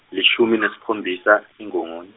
lishumi nesikhombisa, Ingongoni.